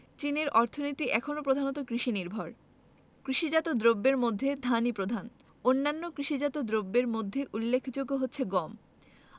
চীনের অর্থনীতি এখনো প্রধানত কৃষিনির্ভর কৃষিজাত দ্রব্যের মধ্যে ধানই প্রধান অন্যান্য কৃষিজাত দ্রব্যের মধ্যে উল্লেখযোগ্য হচ্ছে গম